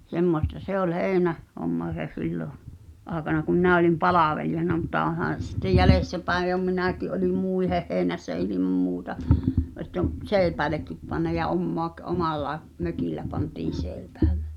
semmoista se oli - heinähomma se silloin aikana kun minä olin palvelijana mutta onhan se sitten jäljestäpäin jo minäkin olin muiden heinässä ilman muuta että on seipäällekin pannut ja - omalla mökillä pantiin seipäälle